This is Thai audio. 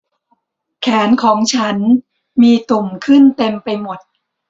แขนของฉันมีตุ่มขึ้นเต็มไปหมด